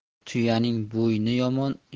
tuyaning bo'yni yomon